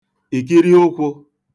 ìkiri ụkwụ̄